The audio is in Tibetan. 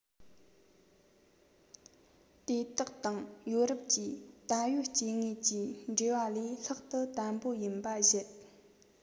དེ དག དང ཡོ རོབ ཀྱི ད ཡོད སྐྱེ དངོས ཀྱི འབྲེལ བ ལས ལྷག ཏུ དམ པོ ཡིན པར བཞེད